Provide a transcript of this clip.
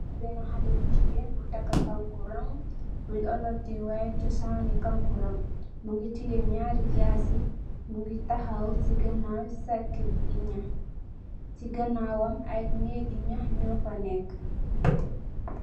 Ben halle bu jigeen bu taka kankurang, buy olof di wahee chosaani kankurang, mungi tiyee nyaari jaasi, mungi tahaw si ganaaw saketi nyah, si ganaawam aye neegi nyah nyoofi neka.